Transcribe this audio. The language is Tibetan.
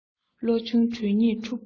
བློ ཆུང གྲོས ཉེས འཁྲུགས པའི ཚེ